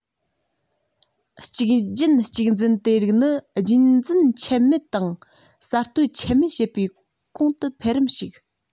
གཅིག རྒྱུན གཅིག འཛིན དེ རིགས ནི རྒྱུན འཛིན ཆད མེད དང གསར གཏོད ཆད མེད བྱེད པའི གོང དུ འཕེལ རིམ ཞིག